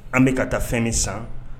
An bɛka ka taa fɛnni san